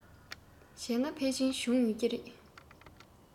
བྱས ན ཕལ ཆེར བྱུང ཡོད ཀྱི རེད